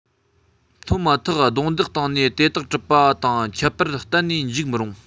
ཐོན མ ཐག རྡུང རྡེག བཏང ནས དེ དག གྲུབ པ དང ཁྱབ པར གཏན ནས འཇུག མི རུང